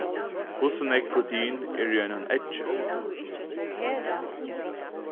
hvussu nógv protein er í einum eggi